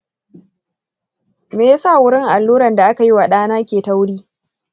meyasa gurin allurar da akayi wa da na ke tauri?